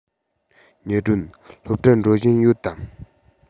ཉི སྒྲོན སློབ གྲྭར འགྲོ བཞིན ཡོད དམ